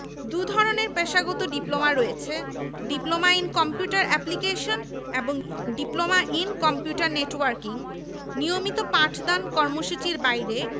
বর্তমানে কলা অনুষদ নেই বাংলা এবং ইংরেজি সমাজবিজ্ঞান অনুষদের সঙ্গে একীভূত হয়েছে